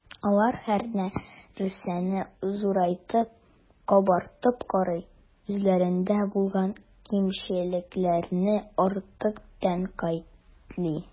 Алар һәрнәрсәне зурайтып, “кабартып” карый, үзләрендә булган кимчелекләрне артык тәнкыйтьли.